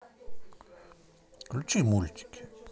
включи мультики